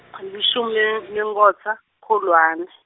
tilishumi nen- nenkhotsa, kuKholwane .